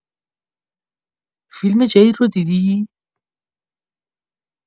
فیلم جدید رو دیدی؟